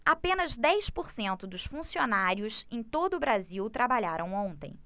apenas dez por cento dos funcionários em todo brasil trabalharam ontem